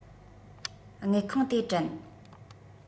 དངུལ ཁང དེ དྲན